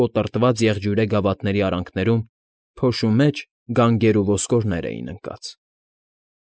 Կոտրված եղջյուրե գավաթների արանքներում, փոշու մեջ, գանգեր ու ոսկորներ էին ընկած։